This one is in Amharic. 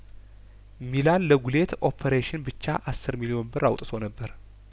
ሚላን ለጉሌት ኦፕሬሽን ብቻ አስር ሚሊዮን ብር አውጥቶ ነበር